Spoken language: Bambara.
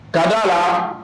Kad'a la